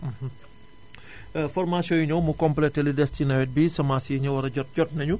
formations yi ñëw mu complété li des ci nawet bi semence yi ñi war a jot jot nañu